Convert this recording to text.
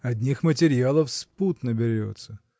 Одних материалов с пуд наберется.